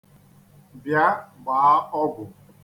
Bịa, gbaa ọgwụ.